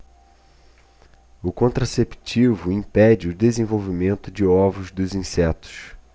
o contraceptivo impede o desenvolvimento de ovos dos insetos